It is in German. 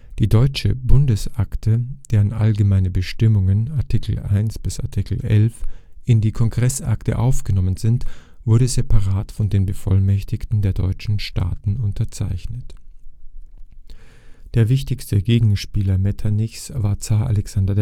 Die Deutsche Bundesakte, deren Allgemeine Bestimmungen (Artikel 1 bis 11) in die Kongressakte aufgenommen sind, wurde separat von den Bevollmächtigten der deutschen Staaten unterzeichnet. Der wichtigste Gegenspieler Metternichs war Zar Alexander